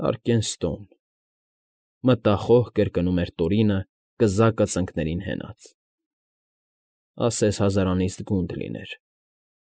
Արկենստոն…֊ մտախոհ կրկնում էր Տորինը՝ կզակը ծնկներին հենած։֊ Ասես հազարանիստ գունդ լիներ։